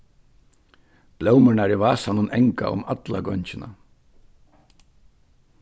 blómurnar í vasanum anga um alla gongina